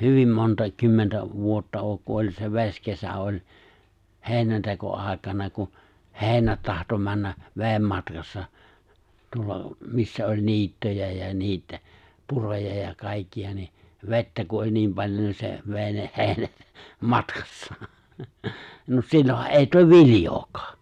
hyvin montaa kymmentä vuotta ole kun oli se vesikesä oli heinäntekoaikana kun heinät tahtoi mennä veden matkassa tuolla missä oli niittyjä ja niitä puroja ja kaikkia niin vettä kun oli niin paljon niin se vei ne heinät matkassaan no silloinhan ei tule viljaakaan